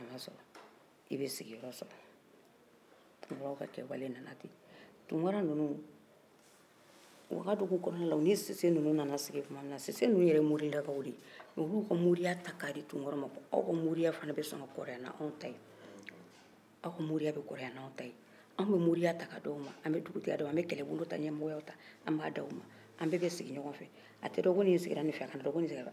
sise ninnu yɛrɛ ye morilakaw de ye nka u y'u ka moriya ta k'a di tunkaraw ma ko aw ka mɔriya fana bɛ sɔn ka kɔrɔya ni anw ta ye aw ka moriya bɛ kɔrɔya ni anw ta ye an bɛɛ bɛ sigi ɲɔgɔn fɛ a tɛ dɔn ko nin sigira nin fɛ a tɛ dɔn ko nin sigira nin fɛ a ka kɛ ko an bɛɛ de kulu kelen ye